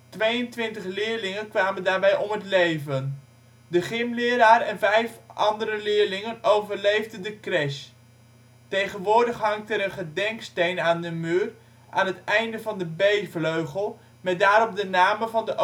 Tweeëntwintig leerlingen kwamen daarbij om het leven. De gymleraar en vijf andere leerlingen overleefden de crash. Tegenwoordig hangt er een gedenksteen aan de muur aan het einde van de B-vleugel, met daarop de namen van de